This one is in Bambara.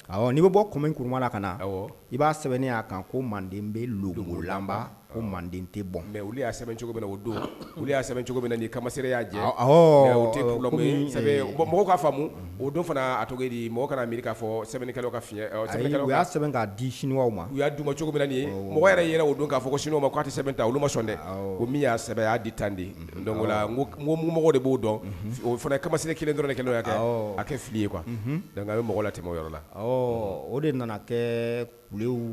N'i bɔ na ia sɛbɛn kan ko mande bɔn'a'a o don fana di miiri k fɔ sɛbɛnkɛlaw ka sɛ o y'a sɛbɛn k'a di sini ma u y'a cogo mɔgɔ yɛrɛ yɛrɛ o don k'a fɔ s sunw ma ko a tɛ sɛbɛnbɛn ta olu ma sɔn dɛ ko min y'a sɛbɛnbɛya di tanden don ko mɔgɔw de b'o dɔn o fana kamase kelen dɔrɔnkɛlawya kan a kɛ fili ye a bɛ mɔgɔ la tɛmɛ yɔrɔ la o de nana kɛ